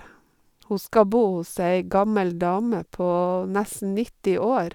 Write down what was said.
Hun skal bo hos ei gammel dame på nesten nitti år.